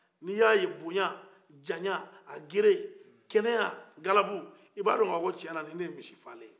n'i y'a ye bonya janya a gere kɛnɛya a galabu i b'a dɔn k'a fɔ tiɲɛna nin de ye misi falen ye